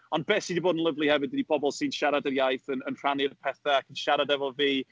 Ond be sy di bod yn lyfli hefyd ydy pobl sy'n siarad yr iaith yn yn rhannu'r pethe, ac yn siarad efo fi.